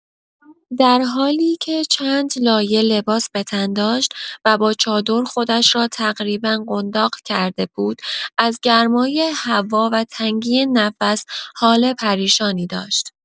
در حالی که چندلایه لباس‌به‌تن داشت و با چادر خودش را تقریبا قنداق کرده بود، از گرمای هوا و تنگی نفس حال پریشانی داشت.